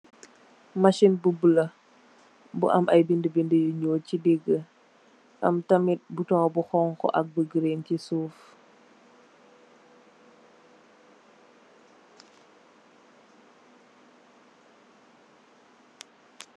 Masin bu bula bu am ay bindi bindi yu ñuul ci digih, am tamid butong bu xonxu ak bu green ci suuf.